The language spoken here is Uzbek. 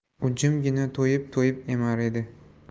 u jimgina to'yib to'yib emar edi